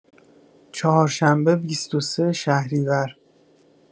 چهارشنبه ۲۳ شهریور